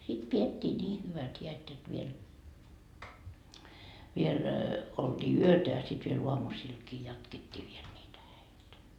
sitten pidettiin niin hyvät häät jotta vielä vielä oltiin yötä ja sitten vielä aamusillakin jatkettiin vielä niitä häitä